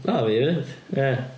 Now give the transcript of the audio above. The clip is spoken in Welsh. A, fi 'fyd, ie.